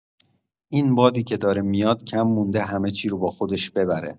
این بادی که داره میاد کم مونده همه‌چی رو با خودش ببره.